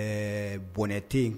Ɛɛ bɔnɛ tɛ yen